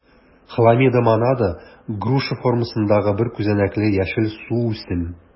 Хламидомонада - груша формасындагы бер күзәнәкле яшел суүсем.